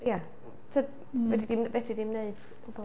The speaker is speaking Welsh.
Ia ti'n gwbod, fedri di'm fedri di'm neud bob dim.